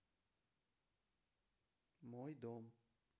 мой дом